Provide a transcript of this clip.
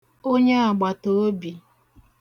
onye àgbàtàobì